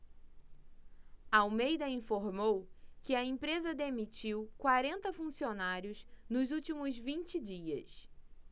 almeida informou que a empresa demitiu quarenta funcionários nos últimos vinte dias